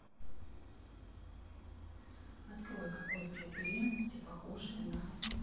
открой какой срок беременности похожие на